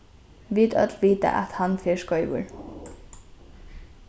vit øll vita at hann fer skeivur